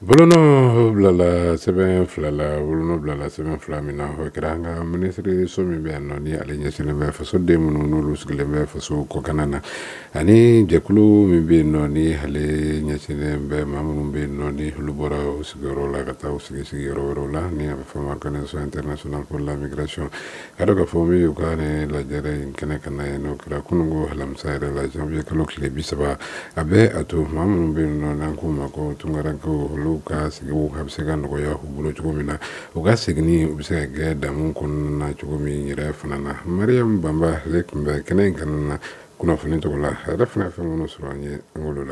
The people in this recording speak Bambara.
Bila sɛbɛn filala bilala sɛbɛn fila min na o kɛra an kasirire min bɛ ale ɲɛnen fasoden minnu n'olu sigilen bɛ faso kok na ani jɛkulu min bɛ yen nɔ hali ɲɛsinnen bɛ minnu bɛ nɔɔni bɔra sigiyɔrɔ la ka taa sigi sigiyɔrɔ la fɛn son in lac ka fɔ u ka ne lajɛ in kɛnɛ ka kunun komisa yɛrɛ laye kalo tile bi saba a bɛ a to tuma minnu bɛ nɔ na k'u ma ko tunkarakararɛnkaw olu ka sigi a bɛ se ka nɔgɔyaya u bolo cogo min na u ka segin u bɛ se ka gɛn da kɔnɔna na cogo min yɛrɛ fana na banba tunbɛn kɛnɛ in kɛnɛ na kunnafoni cogo la yɛrɛ fana fɛn sɔrɔ an ye n la